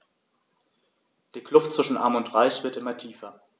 Die Kluft zwischen Arm und Reich wird immer tiefer.